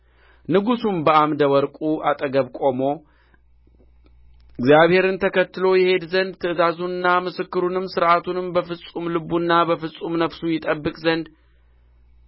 ንጉሡም በዓምደ ወርቁ አጠገብ ቆሞ እግዚአብሔርን ተከትሎ ይሄድ ዘንድ ትእዛዙንና ምስክሩንም ሥርዓቱንም በፍጹም ልቡና በፍጹም ነፍሱ ይጠብቅ ዘንድ